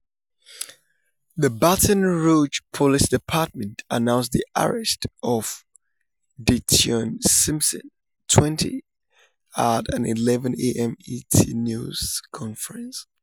The Baton Rouge Police Department announced the arrest of Dyteon Simpson, 20, at an 11 a.m. ET news conference.